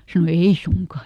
sanoi ei suinkaan